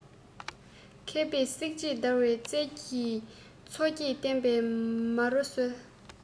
མཁས པས བསྲེགས བཅད བརྡར བའི རྩལ གྱིས མཚོ སྐྱེས བསྟན པའི མེ རོ གསོས